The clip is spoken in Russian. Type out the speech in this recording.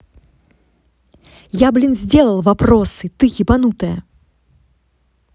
я блин сделал вопросы ты ебанутая